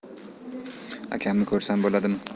akamni ko'rsam bo'ladimi